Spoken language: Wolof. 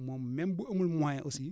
moom même bu amul moyen aussi